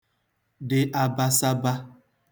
dị abasaba